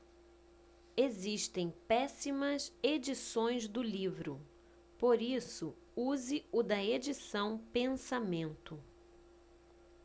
existem péssimas edições do livro por isso use o da edição pensamento